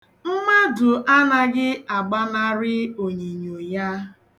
Mmadụ anaghị agbanarị onyinyo ya.